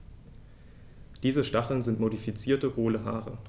Diese Stacheln sind modifizierte, hohle Haare.